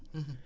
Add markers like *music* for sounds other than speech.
*hesitation* *hesitation*